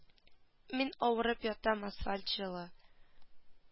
Мин авырып ятам асфальт җылы